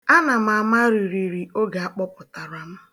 Ana m ama ririri oge a kpọpụtara m.